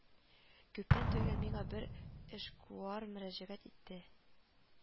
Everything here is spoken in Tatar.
Күптән түгел миңа бер эшкуар мөрәҗәгать итте